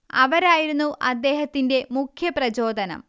അവരായിരുന്നു അദ്ദേഹത്തിന്റെ മുഖ്യപ്രചോദനം